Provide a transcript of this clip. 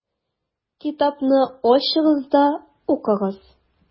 Китапны ачыгыз да укыгыз: